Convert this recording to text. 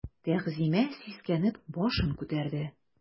Тәгъзимә сискәнеп башын күтәрде.